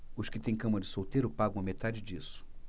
os que têm cama de solteiro pagam a metade disso